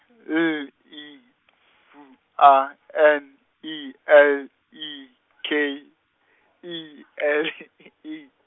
L E F A N E L E K I L E.